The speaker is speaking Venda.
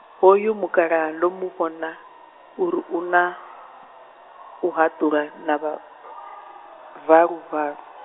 hoyo mukalaha ndo mu vhona, uri u na, ahuluta na va-, valuvalu.